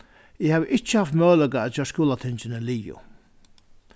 eg havi ikki havt møguleika at gjørt skúlatingini liðug